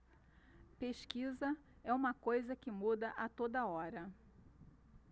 pesquisa é uma coisa que muda a toda hora